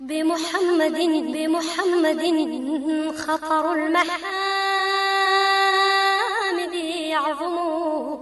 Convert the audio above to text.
Bmadbmadya miniyanyanbugu